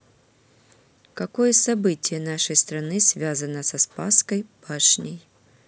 какое событие нашей страны связано со спасской башней